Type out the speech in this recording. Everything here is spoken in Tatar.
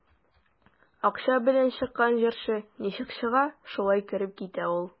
Акча белән чыккан җырчы ничек чыга, шулай кереп китә ул.